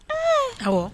Ɛɛ aw